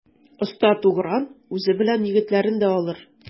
Оста Тугран үзе белән егетләрен дә алыр.